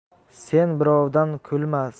sen birovdan kulma